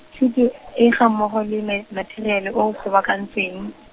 thuto e ga mmogo le me-, matheriale o kgobokantsweng.